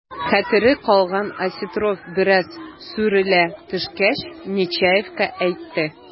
Хәтере калган Осетров, бераз сүрелә төшкәч, Нечаевка әйтте: